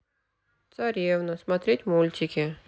царевна смотреть мультики